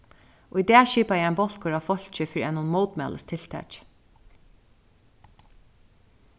í dag skipaði ein bólkur av fólki fyri einum mótmælistiltaki